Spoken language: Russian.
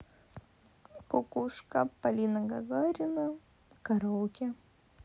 кукушка полина гагарина караоке